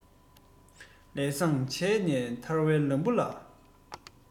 སོ དཀར འཛུམ ལེགས མི སེམས འཛིན པར མཁས